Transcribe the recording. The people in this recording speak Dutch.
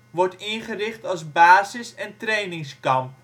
wordt ingericht als basis en trainingskamp